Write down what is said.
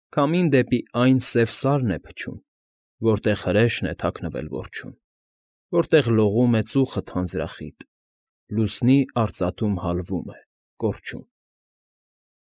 Քամին դեպի այն սև սարն է փչում, Որտեղ հրեշն է թաքնվել որջում, Որտեղ լողում է ծուխը թանձրախիտ, Լուսնի արծաթում հալվում է, կորչում։